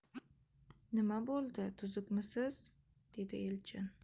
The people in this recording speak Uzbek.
nima bo'ldi tuzukmisiz dedi elchin